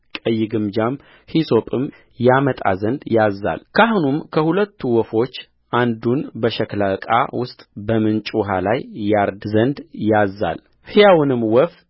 ቀይ ግምጃም ሂሶጵም ያመጣ ዘንድ ያዝዛልካህኑም ከሁለቱ ወፎች አንዱን በሸክላ ዕቃ ውስጥ በምንጭ ውኃ ላይ ያርድ ዘንድ ይዝዛልሕያውንም ወፍ